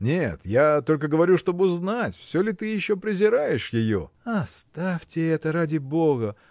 – Нет, я только говорю, чтоб узнать, все ли ты еще презираешь ее? – Оставьте это ради бога